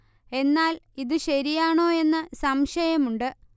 എന്നാൽ ഇതു ശരിയാണോ എന്നു സംശയമുണ്ട്